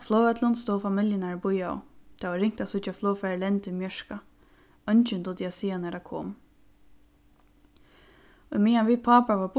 á flogvøllinum stóðu familjurnar og bíðaðu tað var ringt at síggja flogfarið lenda í mjørka eingin dugdi at siga nær tað kom ímeðan vit pápar vóru